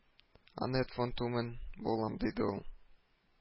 — анет фон тумен булам, — диде ул